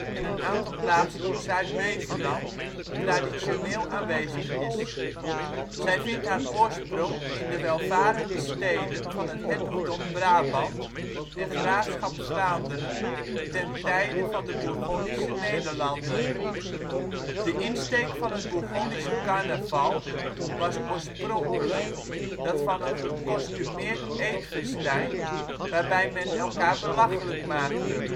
en een aantal plaatsen op Zuid-Beveland traditioneel aanwezig is. Zij vindt haar oorsprong in de welvarende steden van het Hertogdom Brabant en Graafschap Vlaanderen ten tijde van de Bourgondische Nederlanden. De insteek van het Bourgondische carnaval was oorspronkelijk dat van een gekostumeerd eetfestijn waarbij men elkaar belachelijk maakte